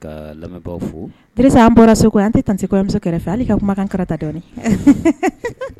Ka lamɛn fo ki an bɔra so an tɛ t tɛ anmuso kɛrɛfɛ hali ka kumakan karatata dɔɔnin